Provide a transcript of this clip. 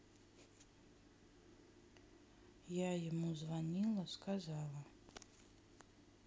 я ему звонила сказала